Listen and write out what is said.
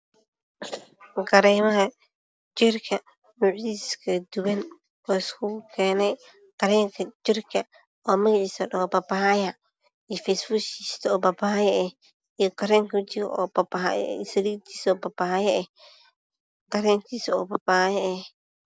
Waa Kareemaha jirka nuucyadiisa kala duwan sida kareem ka jirka oo ladhobabaaya, iyo fayshwashtiisa oo babaaya ah, iyo kareemka wajiga iyo saliidiisa oo babaayo ah.